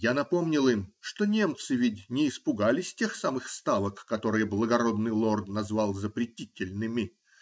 Я напомнил им, что немцы ведь не испугались тех самых ставок, которые благородный лорд назвал запретительными.